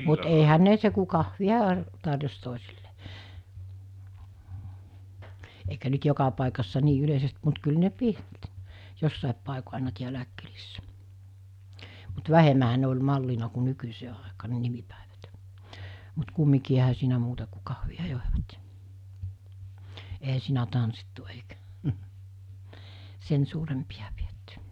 mutta eihän ne se kun kahvia - tarjosi toisille eikä nyt joka paikassa niin yleisesti mutta kyllä ne piti jossakin paikoin aina täälläkin kylissä mutta vähemmänhän ne oli mallina kuin nykyiseen aikaan ne nimipäivät mutta kumminkin eihän siinä muuta kuin kahvia joivat ja eihän siinä tanssittu eikä sen suurempia pidetty